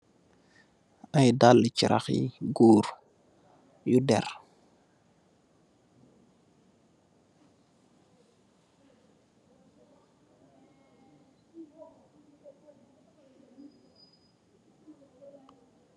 Ay dalli carax yu goor yu dèr.